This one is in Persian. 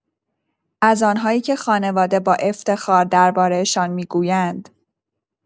از آن‌هایی که خانواده با افتخار درباره‌شان می‌گویند.